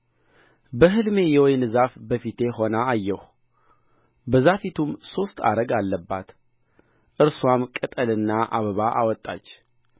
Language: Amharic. በሕልሜ የወይን ዛፍ በፊቴ ሆና አየሁ በዛፊቱም ሦስት አረግ አለባት እርስዋም ቅጠልና አበባ አወጣች